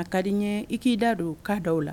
A ka di n ɲɛ i k'i da don k'a da aw la